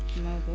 Maodo